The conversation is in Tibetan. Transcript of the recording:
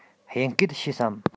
དབྱིན སྐད ཤེས སམ